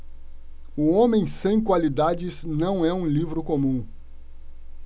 o homem sem qualidades não é um livro comum